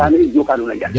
maxey joka nuuna njal